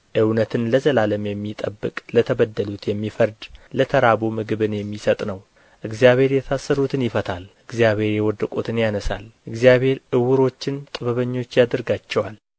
እውነትን ለዘላለም የሚጠብቅ ለተበደሉት የሚፈርድ ለተራቡ ምግብን የሚሰጥ ነው እግዚአብሔር የታሰሩትን ይፈታል እግዚአብሔር የወደቁትን ያነሣል